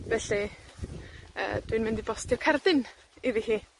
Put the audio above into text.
Felly, yy, dwi'n mynd i bostio cerdyn. Iddi hi.